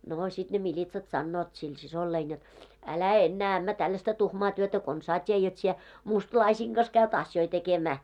no sitten ne militsat sanovat sille siskolleni jotta älä enää ämmä tällaista tuhmaa työtä konsaan tee jotta sinä mustalaisten kanssa käyt asioita tekemään